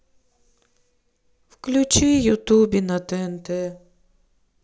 включи ютубе на тнт